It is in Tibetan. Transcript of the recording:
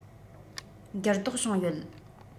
འགྱུར ལྡོག བྱུང ཡོད